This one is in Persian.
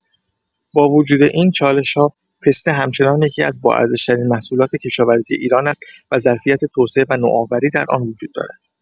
با وجود این چالش‌ها، پسته همچنان یکی‌از باارزش‌ترین محصولات کشاورزی ایران است و ظرفیت توسعه و نوآوری در آن وجود دارد.